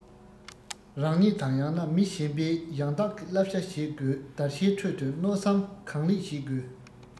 རང ཉིད དང ཡང ན མི གཞན པའི ཡང དག གི བསླབ བྱ བྱེད དགོས བདར ཤའི ཁྲོད དུ མནོ བསམ གང ལེགས བྱེད དགོས